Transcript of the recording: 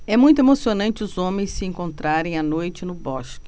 é muito emocionante os homens se encontrarem à noite no bosque